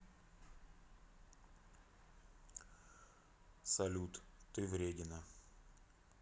салют ты вредина